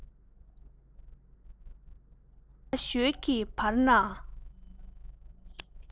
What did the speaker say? ར ས ཞོལ གྱི བར ན